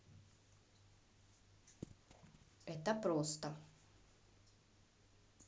это просто